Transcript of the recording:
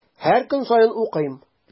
Һәм көн саен укыйм.